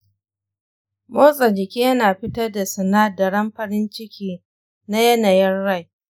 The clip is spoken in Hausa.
motsa jiki yana fitar da sinadaran farin ciki na yanayin rai.